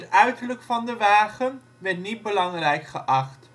uiterlijk van de wagen werd niet belangrijk geacht